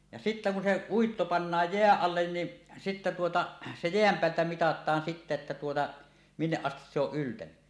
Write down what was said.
ja sitten kun se uitto pannaan jään alle niin sitten tuota se jään päältä mitataan sitten että tuota minne asti se on yltänyt